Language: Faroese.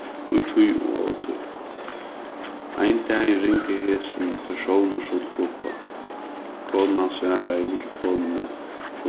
í tíð og ótíð ein dagin ringdi hesin persónur so til gubba konan svaraði við telefonini